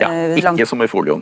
ja ikke som i folioen.